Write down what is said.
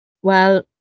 Wel...